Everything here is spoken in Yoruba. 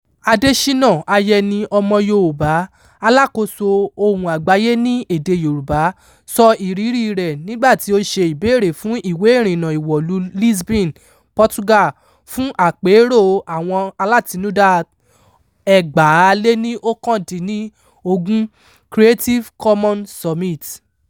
Adéṣínà Ayẹni (Ọmọ Yoòbá), alákòóso Ohùn Àgbáyé ní èdèe Yorùbá, sọ ìríríi rẹ̀ nígbà tí ó ṣe ìbéèrè fún ìwé ìrìnnà ìwọ̀lúu Lisbon, Portugal, fún àpéròo àwọn alátinúdá 2019 Creative Commons Summit: